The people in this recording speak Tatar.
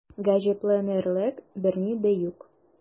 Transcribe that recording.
Гаҗәпләнерлек берни дә юк.